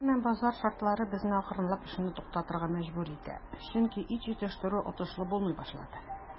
Әмма базар шартлары безне акрынлап эшне туктатырга мәҗбүр итә, чөнки ит җитештерү отышлы булмый башлады.